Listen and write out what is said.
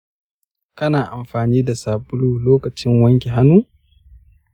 kana amfani da sabulu lokacin wanke hannu?